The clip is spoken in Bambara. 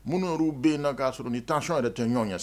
Minnu yɛrɛw bɛ yen nɔ k'a sɔrɔ u ni tension yɛrɛ tɛ ɲɔgɔn ɲɛ